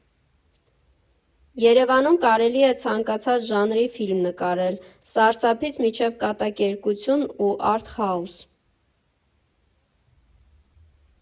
Երևանում կարելի է ցանկացած ժանրի ֆիլմ նկարել՝ սարսափից մինչև կատակերգություն ու արտ հաուս։